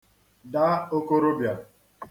da okorobịa